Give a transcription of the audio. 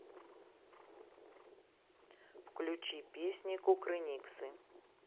включи песни кукрыниксы